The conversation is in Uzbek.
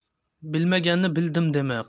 bilmaganni bildim dema